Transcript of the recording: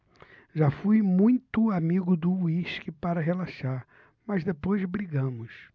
já fui muito amigo do uísque para relaxar mas depois brigamos